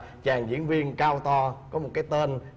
chàng diễn viên cao to có một cái tên